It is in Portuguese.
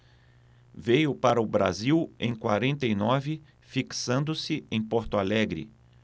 veio para o brasil em quarenta e nove fixando-se em porto alegre